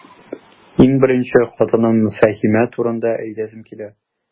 Иң беренче, хатыным Фәһимә турында әйтәсем килә.